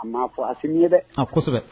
A ma fɔ Asimi ye dɛ. A kɔsɛbɛ